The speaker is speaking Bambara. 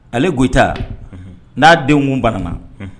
Ale gta n'a denw kun bana